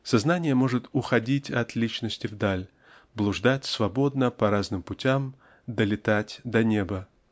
Сознание может уходить от личности вдаль блуждать свободно по разным путям долетать до неба.